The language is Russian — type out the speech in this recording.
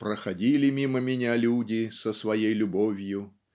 "Проходили мимо меня люди со своей любовью